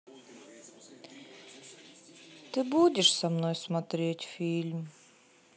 ты будешь со мной смотреть фильм